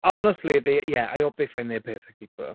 Honestly they, yeah, I hope they find their perfect people.